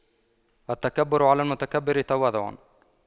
التكبر على المتكبر تواضع